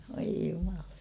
voi jumalan